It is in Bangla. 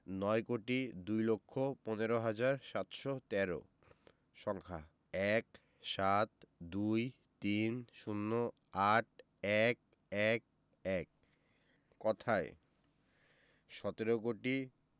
নয় কোটি দুই লক্ষ পনেরো হাজার সাতশো তেরো সংখ্যা ১৭ ২৩ ০৮ ১১১ কথায় সতেরো কোটি